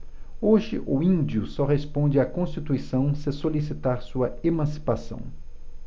hoje o índio só responde à constituição se solicitar sua emancipação